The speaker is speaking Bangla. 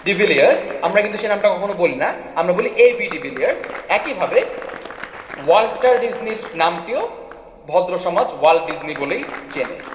ডি ভিলিয়ার্স আমরা কিন্তু সে নামটা কখনো বলি না আমরা বলি এ বি ডি ভিলিয়ার্স একইভাবে ওয়াল্টার ডিজনির নামটিও ভদ্র সমাজ ওয়াল্ট ডিজনি বলেই চেনে